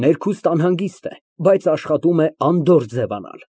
Ներքուստ անհանգիստ է, բայց աշխատում է անդորր ձևանալ)